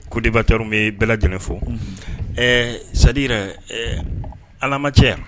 Ko debato bɛ bɛɛ j fɔ ɛɛ sadi yɛrɛ alama cɛ yan